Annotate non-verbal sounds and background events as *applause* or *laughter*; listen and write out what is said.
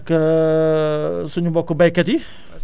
naka *hesitation* suñu mbokk béykat yi